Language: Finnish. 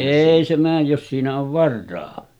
ei se mene jos siinä on varaa